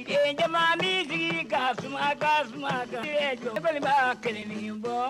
Miniyan caman min jigi ka suma ka cɛ miniyan'a kelen ni bɔ